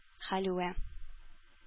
Хәлвә